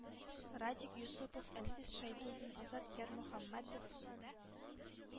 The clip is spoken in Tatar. Радик Йосыпов, Әлфис Шәйдуллин, Азат Ярмөхәммәтов,